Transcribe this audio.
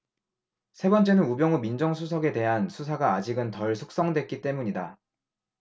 세 번째는 우병우 민정수석에 대한 수사가 아직은 덜 숙성됐기 때문이다